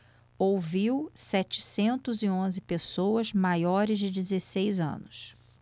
ouviu setecentos e onze pessoas maiores de dezesseis anos